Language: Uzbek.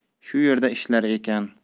shu yerda ishlar ekan